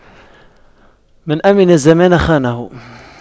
من أَمِنَ الزمان خانه